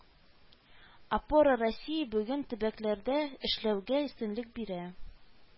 Опора России бүген төбәкләрдә эшләүгә өстенлек бирә